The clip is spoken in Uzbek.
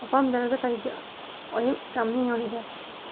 opam deraza tagiga oyim ukamning yoniga